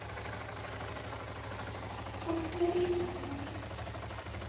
повтори за мной